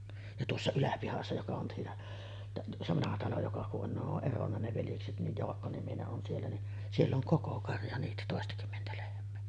ja tuossa Yläpihassa joka on siinä - se vanha talo joka kun on ne on eronnut ne veljekset niin Jaakko-niminen on siellä niin siellä on koko karja niitä toistakymmentä lehmää